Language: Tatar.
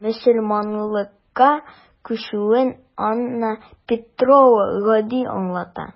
Мөселманлыкка күчүен Анна Петрова гади аңлата.